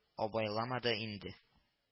Абайламады инде